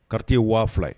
Karata waa fila ye